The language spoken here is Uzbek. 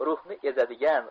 ruhni ezadigan